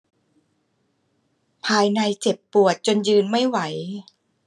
ภายในเจ็บปวดจนยืนไม่ไหว